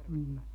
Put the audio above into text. mm